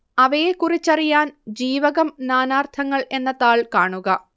അവയെക്കുറിച്ചറിയാൻ ജീവകം നാനാർത്ഥങ്ങൾ എന്ന താൾ കാണുക